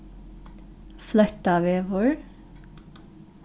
fløttavegur